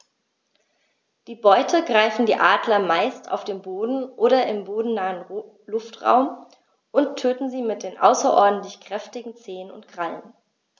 Die Beute greifen die Adler meist auf dem Boden oder im bodennahen Luftraum und töten sie mit den außerordentlich kräftigen Zehen und Krallen.